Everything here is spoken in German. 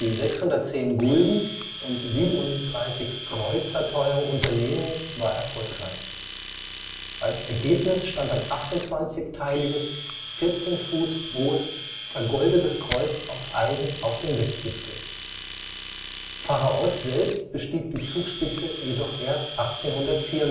610 Gulden und 37 Kreuzer teure Unternehmung war erfolgreich. Als Ergebnis stand ein 28-teiliges, 14 Fuß hohes, vergoldetes Kreuz aus Eisen auf dem Westgipfel. Pfarrer Ott selbst bestieg die Zugspitze jedoch erst 1854